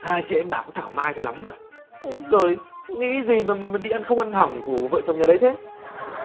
hai chị em bà cũng thảo mai cho lắm vào úi dời nghĩ gì mà mà đi ăn không ăn hỏng của vợ chồng nhà đấy thế